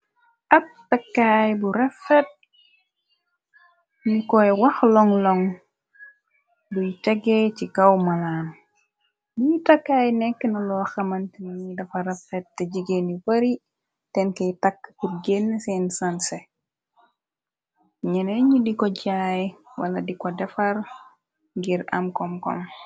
Ab takkaay bu reffet, nyi koy wax lonloŋ, buy tegee ci kaw malaan, yii takkaay nekk na loo xamante nii dafa reffet te jigéen yu bari denj kay tàkk pur génn seen sanse, ñeneen ñi di ko jaay, wala di ko defar ngir am komkom.